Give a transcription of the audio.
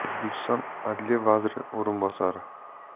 o'zbekiston adliya vaziri o'rinbosari